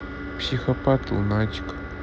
психопат лунатик